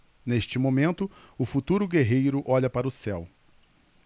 neste momento o futuro guerreiro olha para o céu